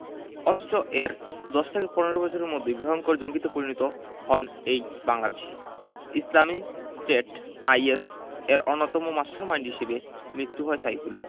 অথচ এর ১০ ১৫ বছরের মধ্যেই ভয়ংকর জঙ্গিতে পরিণত হন এই বাংলাদেশি ইসলামি স্টেট আইএস এর অন্যতম মাস্টারমাইন্ড হিসেবে মৃত্যু হয় সাইফুলের